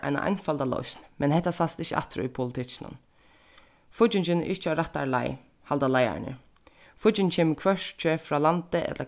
eina einfalda loysn men hetta sæst ikki aftur í politikkinum fíggingin er ikki á rættari leið halda leiðararnir fígging kemur hvørki frá landi ella